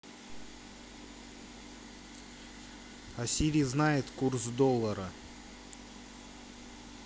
а сири знает курс доллара